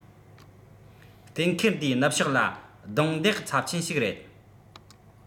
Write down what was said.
གཏན འཁེལ འདིའི ནུབ ཕྱོགས ལ རྡུང རྡེག ཚབས ཆེན ཞིག རེད